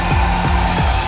về